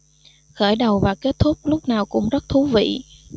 khởi đầu và kết thúc lúc nào cũng rất thú vị